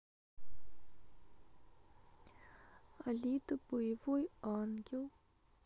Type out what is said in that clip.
алита боевой ангел